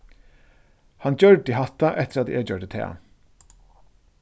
hann gjørdi hatta eftir at eg gjørdi tað